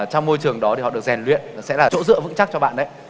trong môi trường đó thì họ được rèn luyện sẽ là chỗ dựa vững chắc cho bạn đấy